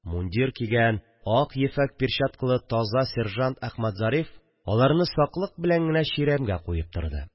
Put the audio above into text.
Мундир кигән, ак ефәк перчаткалы таза сержант Әхмәтзариф аларны саклык белән генә чирәмгә куеп торды